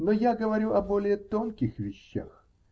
Но я говорю о более тонких вещах.